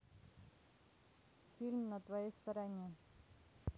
фильм на твоей стороне